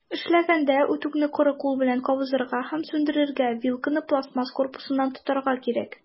Эшләгәндә, үтүкне коры кул белән кабызырга һәм сүндерергә, вилканы пластмасс корпусыннан тотарга кирәк.